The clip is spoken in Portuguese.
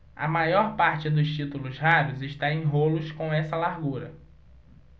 a maior parte dos títulos raros está em rolos com essa largura